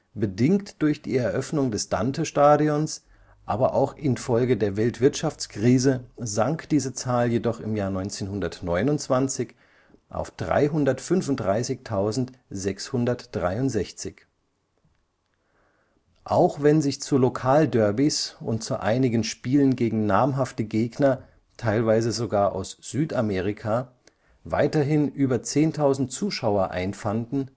Bedingt durch die Eröffnung des Dantestadions, aber auch infolge der Weltwirtschaftskrise sank diese Zahl jedoch im Jahr 1929 auf 335.663. Auch wenn sich zu Lokalderbys und zu einigen Spielen gegen namhafte Gegner, teilweise sogar aus Südamerika, weiterhin über 10.000 Zuschauer einfanden